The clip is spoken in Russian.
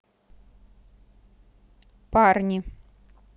парни